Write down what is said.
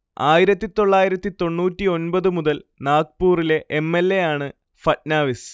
ആയിരത്തി തൊള്ളായിരത്തി തൊണ്ണൂറ്റി ഒൻപതു മുതൽ നാഗ്പൂറിലെ എം. എൽ. എ. ആണ് ഫട്നാവിസ്